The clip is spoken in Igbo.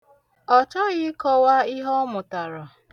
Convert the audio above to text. Ọ chọghị ịkọwa ihe ọ mụtara.